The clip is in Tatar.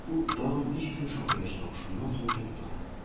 Бу тагын бер өч төн шакыячак, шуннан соң туктар!